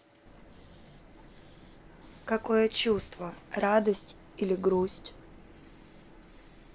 какое чувство радость или грусть